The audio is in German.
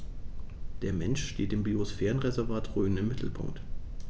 Der Mensch steht im Biosphärenreservat Rhön im Mittelpunkt.